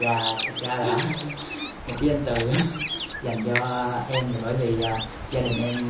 gà thực ra là một cái danh từ dành cho em bởi vì gia đình em